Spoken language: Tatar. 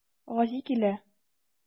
Гази килә.